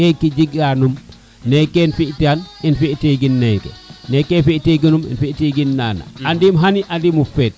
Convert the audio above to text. keke jeg anum neke im fi tan in fi tegi neke neke fi teganum fi tegin nana andim xani andim o feet